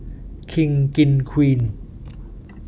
คิงกินควีน